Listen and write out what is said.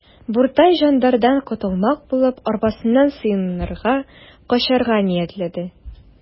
Буртай жандардан котылмак булып, арбасына сыенырга, качарга ниятләде.